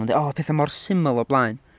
Mae nhw'n dweud "O oedd petha mor syml o'r blaen!"